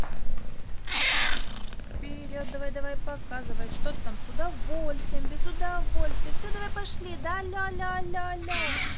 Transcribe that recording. вперед давай давай показывай что ты там с удовольствием без удовольствия все давай пошли да алле алле алле алле